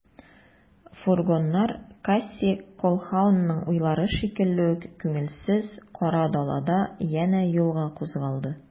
Фургоннар Кассий Колһаунның уйлары шикелле үк күңелсез, кара далада янә юлга кузгалды.